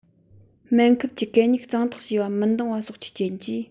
སྨན ཁབ ཀྱི གད སྙིགས གཙང དག བྱས པ མི འདང བ སོགས ཀྱི རྐྱེན ཡིན